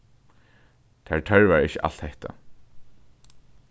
tær tørvar ikki alt hetta